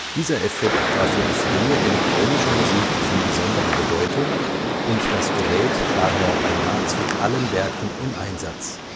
Dieser Effekt war für die frühe elektronische Musik von besonderer Bedeutung und das Gerät daher bei nahezu allen Werken im Einsatz